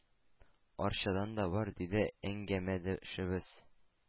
Арчадан да бар”, — диде әңгәмәдәшебез.